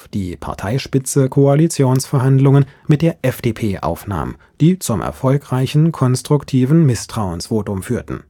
die Parteispitze Koalitionsverhandlungen mit der FDP aufnahm, die zum erfolgreichen konstruktiven Misstrauensvotum führten